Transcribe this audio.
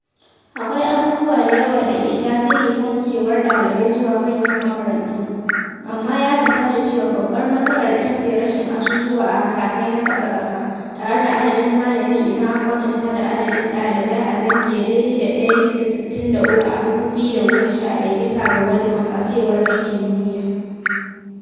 Akwai abubuwa da yawa da ke tasiri kan wucewar ɗalibai zuwa manyan makarantu, amma ya tabbata cewa babbar matsalar itace rashin ajujuwa a matakai na ƙasa-ƙasa, tare da adadain malami idan aka kwatanta da adadin ɗalibai a Zambiya daidai da 1:63 a 2011 bisa ga World Bank.a cewar Bankin Duniya.